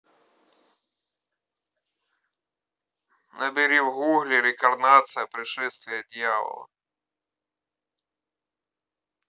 набери в гугле рекорнация пришествие дьявола